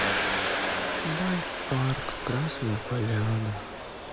байк парк красная поляна